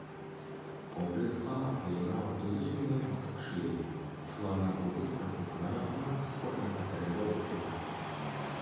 Комплекска аена 33 меңнән артык кеше йөри, шуларның 30 %-на якыны - спорт мәктәпләрендә укучылар.